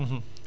waa